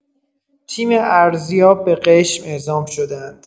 تیم ارزیاب به قشم اعزام شده‌اند.